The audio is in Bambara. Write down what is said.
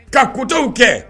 Ka kotaw kɛ